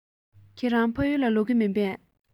ཁྱེད རང ཕ ཡུལ ལ ལོག གི མིན པས